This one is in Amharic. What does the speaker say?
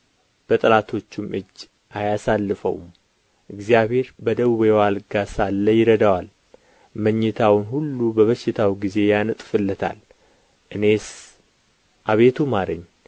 በጠላቶቹም እጅ አያሳልፈውም እግዚአብሔር በደዌው አልጋ ሳለ ይረዳዋል መኝታውን ሁሉ በበሽታው ጊዜ ያነጥፍለታል እኔስ አቤቱ ማረኝ